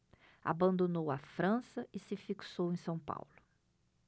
abandonou a frança e se fixou em são paulo